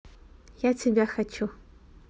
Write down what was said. я тебя хочу